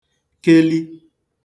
keli